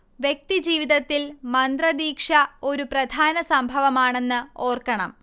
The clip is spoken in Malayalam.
വ്യക്തി ജീവിതത്തിൽ മന്ത്രദീക്ഷ ഒരു പ്രധാന സംഭവമാണെന്ന് ഓർക്കണം